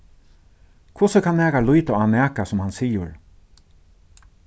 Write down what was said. hvussu kann nakar líta á nakað sum hann sigur